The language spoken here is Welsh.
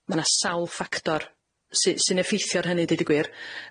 Ma' 'na sawl ffactor sy sy'n effeithio ar hynny deud y gwir.